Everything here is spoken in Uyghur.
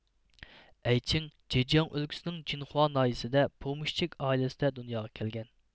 ئەيچىڭ جېجياڭ ئۆلكىسىنىڭ جىنخۇا ناھىيىسىدە پومشىچىك ئائىلىسىدە دۇنياغا كەلگەن